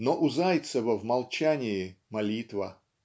Но у Зайцева в молчании - молитва.